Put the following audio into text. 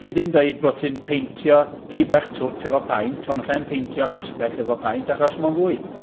Alli di'm dweud bo ti'n paentio tŷ bach twt efo paent ond allai'm paentio castell efo paent achos mae'n fwy.